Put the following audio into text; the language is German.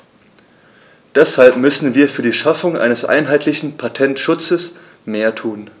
Deshalb müssen wir für die Schaffung eines einheitlichen Patentschutzes mehr tun.